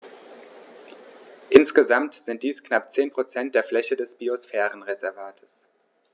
Insgesamt sind dies knapp 10 % der Fläche des Biosphärenreservates.